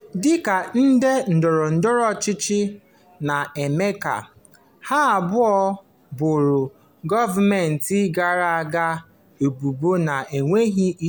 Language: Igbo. Dị ka ndị ndọrọ ndọrọ ọchịchị na-ama aka, ha abụọ boro gọọmentị gara aga ebubo na-enweghị isi.